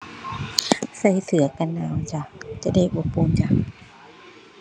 ใส่เสื้อกันหนาวจ้ะ จะได้อบอุ่นจ้ะ